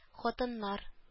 Хатыннар